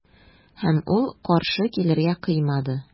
Һәм ул каршы килергә кыймады.